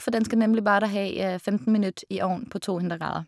For den skal nemlig bare ha, ja, femten minutt i ovnen på to hundre grader.